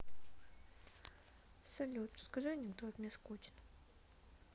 салют расскажи анекдот мне скучно